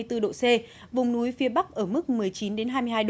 tư độ c vùng núi phía bắc ở mức mười chín đến hai mươi hai